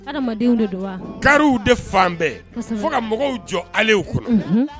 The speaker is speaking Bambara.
Adama kaw de fan bɛɛ fo ka mɔgɔw jɔ ale kɔnɔ